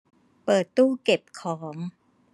เปิดตู้เก็บของ